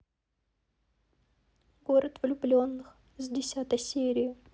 город влюбленных с десятой серии